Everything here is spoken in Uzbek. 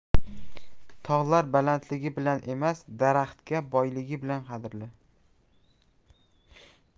tog'lar balandligi bilan emas daraxtga boyligi bilan qadrli